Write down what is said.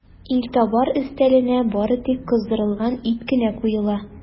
Илтабар өстәленә бары тик кыздырылган ит кенә куела.